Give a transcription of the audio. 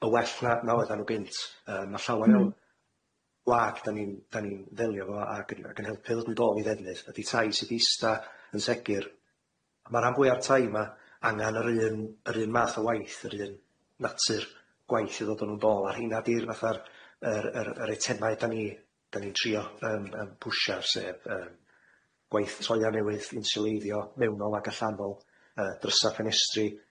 y well na na oeddan nw gynt yy ma' llawer iawn- wag 'dan ni'n ddelio 'fo ag ag yn helpu ddod yn dôl i ddefnydd ydi tai sy 'di ista yn segur a ma' ran fwya'r tai 'ma angan yr un yr un math o waith yr un natur gwaith i ddod o nw'n dôl a rheina di'r fatha'r yr yr yr etenau 'dan ni 'dan ni'n trio yym yym pwsho ar sef yym gwaith toua newydd insiwleiddio mewnol ag allanol yy drysa'r ffenestri